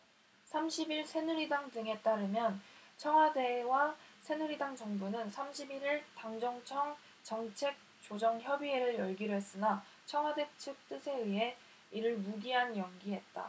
삼십 일 새누리당 등에 따르면 청와대와 새누리당 정부는 삼십 일 일 당정청 정책조정협의회를 열기로 했으나 청와대 측 뜻에 의해 이를 무기한 연기했다